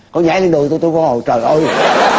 cổ nhảy lên đùi tôi cổ ngồi trời ơi